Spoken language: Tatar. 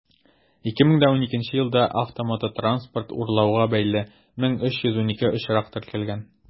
2012 елда автомототранспорт урлауга бәйле 1312 очрак теркәлгән.